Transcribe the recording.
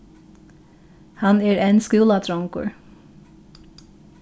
hann er enn skúladrongur